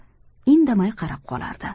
indamay qarab qolardi